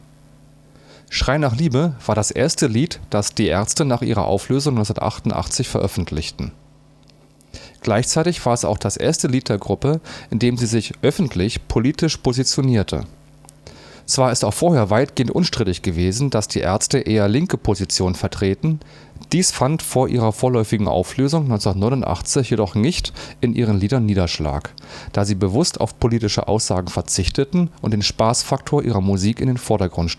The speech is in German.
Schrei nach Liebe “war das erste Lied, das Die Ärzte nach ihrer Auflösung (1988) veröffentlichten. Gleichzeitig war es auch das erste Lied der Gruppe, in dem sie sich öffentlich politisch positionierte. Zwar ist auch vorher weitgehend unstrittig gewesen, dass die Ärzte eher linke Positionen vertreten; dies fand vor ihrer vorläufigen Auflösung 1989 jedoch nicht in ihren Liedern Niederschlag, da sie bewusst auf politische Aussagen verzichteten und den Spaßfaktor ihrer Musik in den Vordergrund stellten